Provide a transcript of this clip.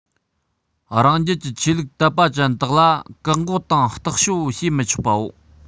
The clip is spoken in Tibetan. རང རྒྱལ གྱི ཆོས ལུགས དད པ ཅན དག ལ བཀག འགོག དང བརྟག དཔྱོད བྱས མི ཆོག པའོ